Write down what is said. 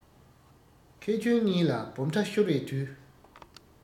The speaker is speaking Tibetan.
ཁེ གྱོང གཉིས ལ སྦོམ ཕྲ ཤོར བའི དུས